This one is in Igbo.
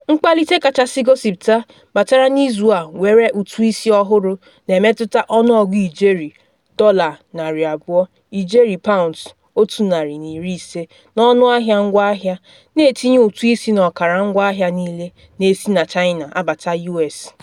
Mkpalite kachasị gosipụta batara n’izu a nwere ụtụ isi ọhụrụ na emetụta ọnụọgụ ijeri $200 (ijeri £150) n’ọnụahịa ngwaahịa, na etinye ụtụ isi n’ọkara ngwaahịa niile na esi na China abata US.